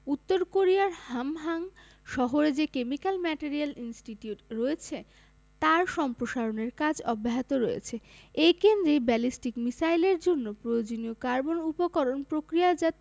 উত্তর কোরিয়ার হামহাং শহরে যে কেমিক্যাল ম্যাটেরিয়াল ইনস্টিটিউট রয়েছে তার সম্প্রসারণের কাজ অব্যাহত রয়েছে এই কেন্দ্রেই ব্যালিস্টিক মিসাইলের জন্য প্রয়োজনীয় কার্বন উপকরণ প্রক্রিয়াজাত